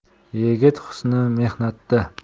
yigit husni mehnatda